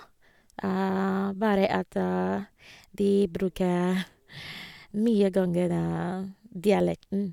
Bare at de bruke mye gangene dialekten.